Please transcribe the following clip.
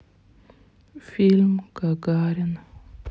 фильм гагарин